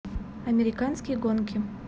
американские гонки